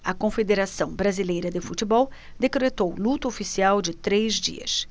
a confederação brasileira de futebol decretou luto oficial de três dias